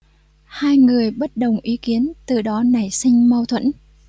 hai người bất đồng ý kiến từ đó nảy sinh mâu thuẫn